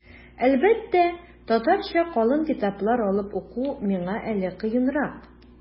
Әлбәттә, татарча калын китаплар алып уку миңа әле кыенрак.